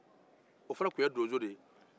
o tun ye donso de ye